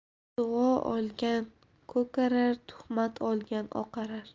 duo olgan ko'karar tuhmat olgan oqarar